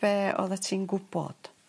be' oddat ti'n gwbod